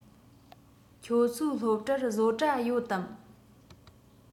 ཁྱོད ཚོའི སློབ གྲྭར བཟོ གྲྭ ཡོད དམ